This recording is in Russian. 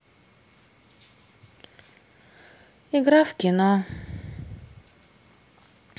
игра в кино